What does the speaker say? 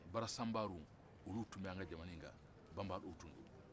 bara sanbaru olu tun bɛ an ka jamana in kan banbandɔw tun don